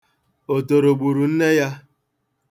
Otoro gburu nne ya.